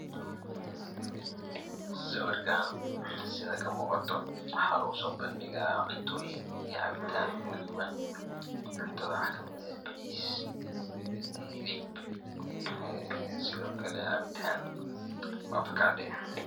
Sawarkan waxaa lgu sobadhiga cunto cuntad wax kamid ah bariis iyo cabitan iyo hiliib